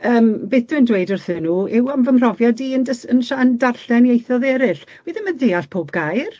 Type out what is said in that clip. yym beth dwi'n dweud wrthyn nw yw am fy mhrofiad i yn dys- yn siar- yn darllen ieithodd eryll. Wi ddim yn deall pob gair.